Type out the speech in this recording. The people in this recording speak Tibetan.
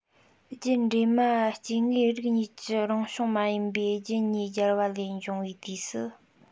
རྒྱུད འདྲེས མ སྐྱེ དངོས རིགས གཉིས ཀྱི རང བྱུང མ ཡིན པའི རྒྱུད གཉིས སྦྱར བ ལས འབྱུང བའི དུས སུ